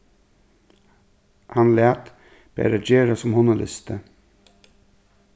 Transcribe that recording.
hann læt bara gera sum honum lystir s